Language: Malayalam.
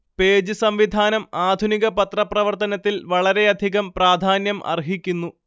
പേജ് സംവിധാനം ആധുനിക പത്രപ്രവർത്തനത്തിൽവളരെയധികം പ്രാധാന്യം അർഹിക്കുന്നു